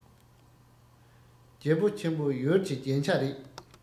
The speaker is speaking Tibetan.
རྒྱལ པོ ཆེན པོ ཡུལ གྱི རྒྱན ཆ རེད